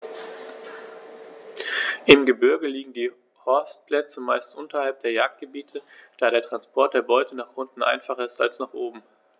Im Gebirge liegen die Horstplätze meist unterhalb der Jagdgebiete, da der Transport der Beute nach unten einfacher ist als nach oben.